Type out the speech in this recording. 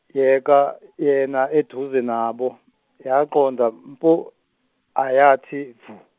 yeka yena eduze nabo, yaqonda mpo ayathi vu.